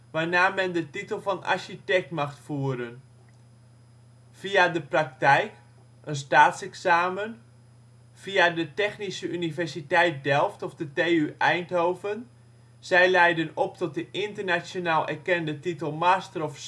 waarna men de titel van architect mag voeren: via de praktijk (staatsexamen). via de Technische Universiteit Delft of de TU Eindhoven. Zij leiden op tot de internationaal erkende titel Master of